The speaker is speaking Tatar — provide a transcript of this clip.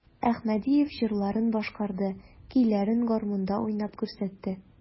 Әхмәдиев җырларын башкарды, көйләрен гармунда уйнап күрсәтте.